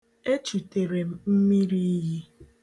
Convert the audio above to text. E chutere m mmiriiyi